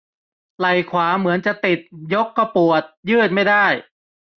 ไหล่ขวาเหมือนจะติดยกก็ปวดยืดไม่ได้